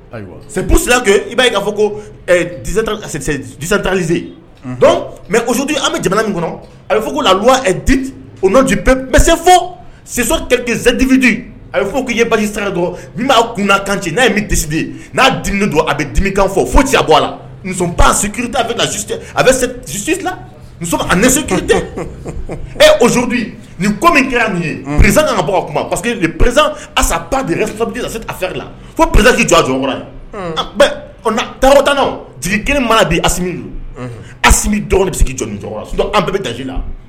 Ayiwa kɛ i b'aa kotaze mɛdi an bɛ jamana min kɔnɔ a bɛ fɔ lawase fɔzdip a bɛ fɔ' ye basi sa min b' kun' kan n'a ye min di n'a don a bɛ dimikan fɔ fo ci a bɔ a la ta bɛsi a bɛsi t cɛ e ozdi nin kɔ min kɛra nin ye pz ka bɔ parce que prez asa la fo perezsaki jɔ jɔ ta tan jigi kelen manaa di a don asi dɔgɔnin' jɔ bɛɛ bɛ da la